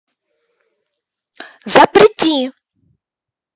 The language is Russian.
запрети